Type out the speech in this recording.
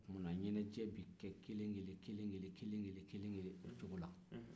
o tumana ɲɛnajɛ bɛ kɛ kelen kelen o cogo la